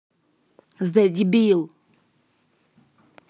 the дибил